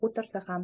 o'tirsa ham